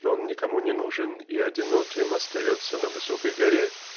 что он никому не нужен и одиноким остается на высокой горе